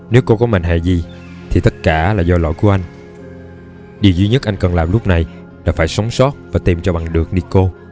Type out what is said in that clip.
nếu cô có mệnh hệ gì thì tất cả là do lỗi của anh điều duy nhất anh cần làm lúc này là phải sống sót và tìm cho bằng được nicole